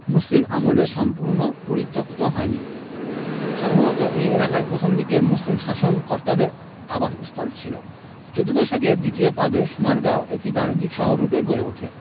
মুসলিম আমলে সম্পূর্ণ পরিত্যক্ত হয় নি সম্ভবত এ এলাকায় প্রথম দিকের মুসলিম শাসনকর্তাদের আবাসস্থল ছিল চৌদ্দ শতকের দ্বিতীয় পাদে সোনারগাঁও একটি বাণিজ্যশহররূপে গড়ে ওঠে